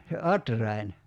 se atrain